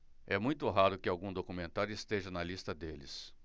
é muito raro que algum documentário esteja na lista deles